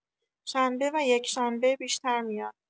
شنبه و یک‌شنبه بیشتر میاد